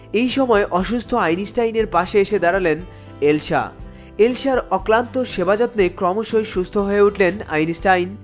এই সময়ে অসুস্থ আইনস্টাইনের পাশে এসে দাঁড়ালেন এলসা এলসার অক্লান্ত সেবা যত্নেই ক্রমশ সুস্থ হয়ে উঠলেন আইনস্টাইন